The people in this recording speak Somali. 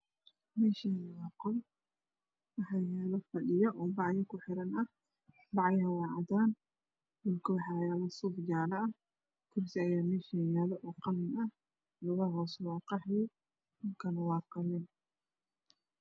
Meeshaan waa qol waxaa yaalo fadhiyo oo baco kuxiran. Bacaha waa cadaan dhulkuna waxaa yaalo suuf jaalo ah. Kursi ayaa yaalo oo qalin ah lugihiisana waa qaxwi dhulkana waa qalin.